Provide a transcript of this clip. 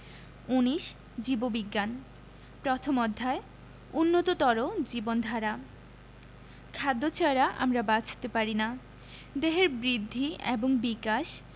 ১৯ জীববিজ্ঞান প্রথম অধ্যায় উন্নততর জীবনধারা খাদ্য ছাড়া আমরা বাঁচতে পারি না দেহের বৃদ্ধি এবং বিকাশ